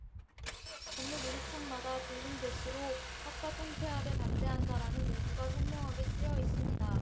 건물 유리창마다 붉은 글씨로 학과 통폐합에 반대한다는 문구가 선명하게 쓰여있습니다